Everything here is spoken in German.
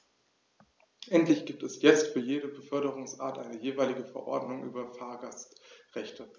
Endlich gibt es jetzt für jede Beförderungsart eine jeweilige Verordnung über Fahrgastrechte.